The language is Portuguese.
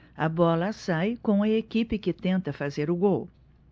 a bola sai com a equipe que tenta fazer o gol